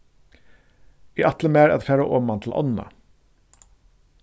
eg ætli mær at fara oman til ánna